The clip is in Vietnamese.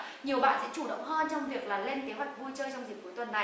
nhiều bạn sẽ chủ động hơn trong việc là lên kế hoạch vui chơi trong dịp cuối tuần này